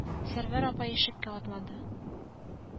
Олы юлга чыгарга әзерләндек.